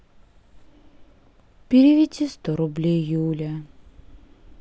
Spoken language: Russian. переведи сто рублей юля